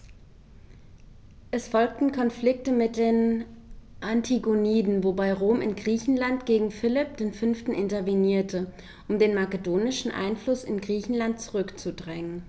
Es folgten Konflikte mit den Antigoniden, wobei Rom in Griechenland gegen Philipp V. intervenierte, um den makedonischen Einfluss in Griechenland zurückzudrängen.